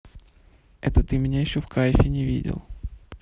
это ты еще меня в кайфе не видел